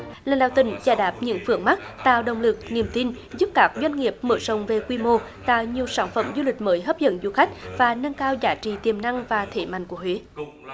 lãnh đạo tỉnh giải đáp những vướng mắc tạo động lực niềm tin giúp cạc doanh nghiệp mở rộng về quy mô tạo nhiều sản phẩm du lịch mới hấp dẫn du khách và nâng cao giá trị tiềm năng và thế mạnh của huế